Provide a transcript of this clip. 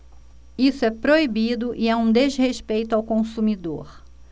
isso é proibido e é um desrespeito ao consumidor